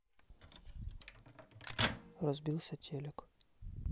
разбился телек